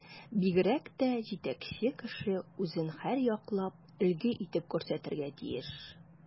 Бигрәк тә җитәкче кеше үзен һәрьяклап өлге итеп күрсәтергә тиеш.